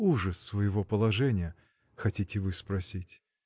ужас своего положения — хотите вы спросить?